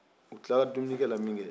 u tilala dumuni kɛ la mun kɛ